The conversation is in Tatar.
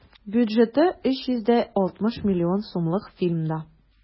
Бюджеты 360 миллион сумлык фильмда.